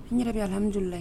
N yɛrɛ bɛ yen alihamidulilahi